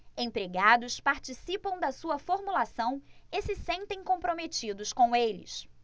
empregados participam da sua formulação e se sentem comprometidos com eles